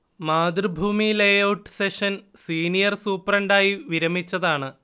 Mathrubhumi layout section senior സൂപ്രണ്ടായി വിരമിച്ചതാണ്